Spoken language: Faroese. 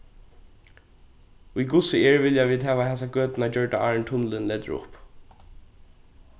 í hvussu er vilja vit hava hasa gøtuna gjørda áðrenn tunnilin letur upp